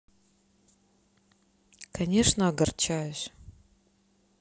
конечно огорчаюсь